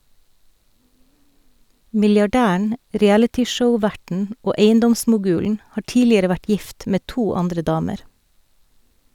Milliardæren, realityshow-verten og eiendomsmogulen har tidligere vært gift med to andre damer.